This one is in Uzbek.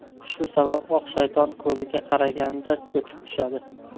shu sababli oq shayton ko'ziga qaraganda chuchib tushadi